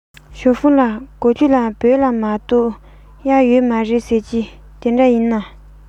ཞའོ ཧྥུང ལགས གོ ཐོས ལ བོད ལྗོངས མ གཏོགས གཡག ཡོད མ རེད ཟེར གྱིས དེ འདྲ ཡིན ན